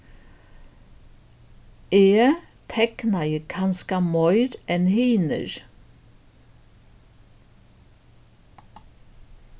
eg teknaði kanska meira enn hinir